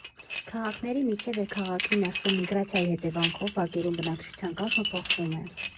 Քաղաքների միջև և քաղաքի ներսում միգրացիայի հետևանքով բակերում բնակչության կազմը փոխվում է։